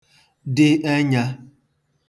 dị ẹnya